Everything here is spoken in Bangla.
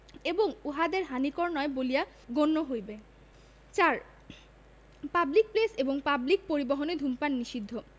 এবংউহাদের হানিকর নয় বলিয়া গণ্য হইবে ৪ পাবলিক প্লেস এবং পাবলিক পরিবহণে ধূমপান নিষিদ্ধঃ